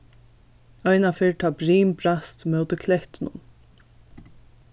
einaferð tá brim brast móti klettunum